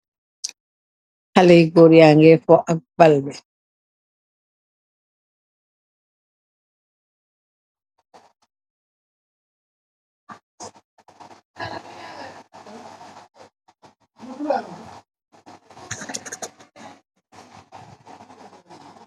Xaléé Goor yaa ngee foo ak bal bi.